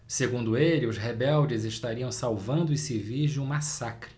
segundo ele os rebeldes estariam salvando os civis de um massacre